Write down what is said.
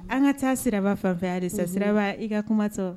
An ka taa sira fanfɛ desa sira i ka kumatɔ